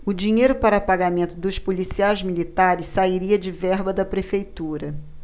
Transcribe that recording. o dinheiro para pagamento dos policiais militares sairia de verba da prefeitura